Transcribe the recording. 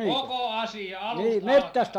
koko asia alusta alkaen